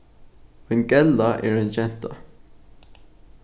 ein gella er ein genta